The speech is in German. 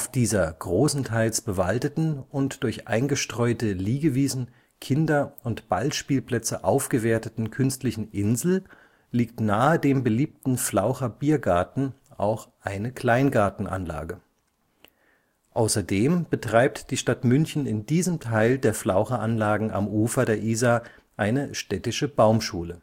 dieser großenteils bewaldeten und durch eingestreute Liegewiesen, Kinder - und Ballspielplätze aufgewerteten künstlichen Insel liegt nahe dem beliebten Flaucherbiergarten auch eine Kleingartenanlage. Außerdem betreibt die Stadt München in diesem Teil der Flaucheranlagen am Ufer der Isar eine Städtische Baumschule